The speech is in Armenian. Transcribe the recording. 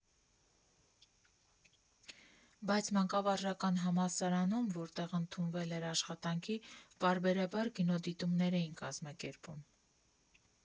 Բայց Մանկավարժական համալսարանում, որտեղ ընդունվել էր աշխատանքի, պարբերաբար կինոդիտումներ էին կազմակերպում։